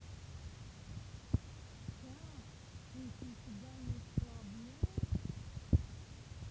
как ты их нифига не исправляешь